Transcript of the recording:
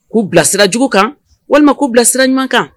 K'u bila sirajugu kan walima k'u bila siraɲɔgɔn kan.